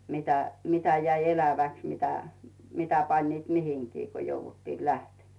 mitä mitä jäi eläväksi mitä mitä panivat mihinkin kun jouduttiin lähtemään